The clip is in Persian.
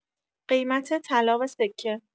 قیمت طلا و سکه